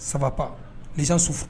Saba z sufu